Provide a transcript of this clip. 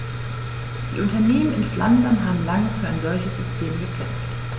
Die Unternehmen in Flandern haben lange für ein solches System gekämpft.